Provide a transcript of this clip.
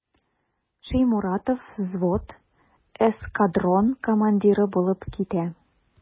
Шәйморатов взвод, эскадрон командиры булып китә.